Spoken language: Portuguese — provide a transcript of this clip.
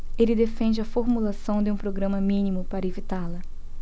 ele defende a formulação de um programa mínimo para evitá-la